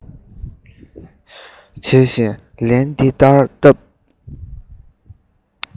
བྱེད བཞིན ལན དེ ལྟར བཏབ